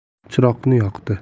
chiroqni yoqdi